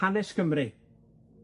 Hanes Cymru.